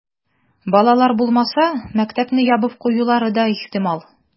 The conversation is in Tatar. Балалар булмаса, мәктәпне ябып куюлары да ихтимал.